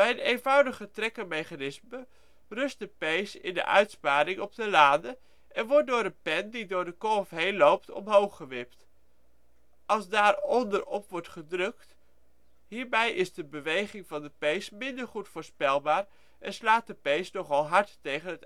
eenvoudiger trekkermechanisme rust de pees in een uitsparing op de lade, en wordt door een pen die door de kolf heen loopt omhooggewipt als daar van onder op wordt gedrukt. Hierbij is de beweging van de pees minder goed voorspelbaar en slaat de pees nogal hard tegen